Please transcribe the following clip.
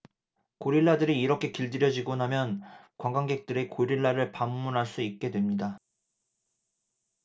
고릴라들이 이렇게 길들여지고 나면 관광객들이 고릴라를 방문할 수 있게 됩니다